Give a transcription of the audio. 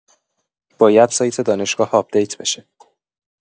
باید سایت دانشگاه آپدیت بشه.